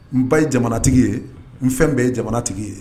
N ba ye jamana tigi ye n fɛn bɛ ye jamana tigi ye